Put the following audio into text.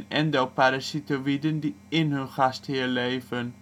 endoparasitoïden die in hun gastheer leven